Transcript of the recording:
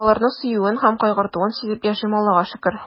Балаларның сөюен һәм кайгыртуын сизеп яшим, Аллага шөкер.